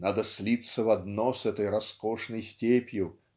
надо слиться в одно с этой роскошной степью